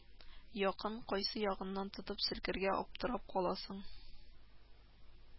Якын, кайсы ягыннан тотып селкергә аптырап каласың